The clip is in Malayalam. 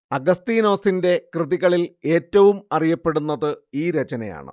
അഗസ്തീനോസിന്റെ കൃതികളിൽ ഏറ്റവും അറിയപ്പെടുന്നത് ഈ രചനയാണ്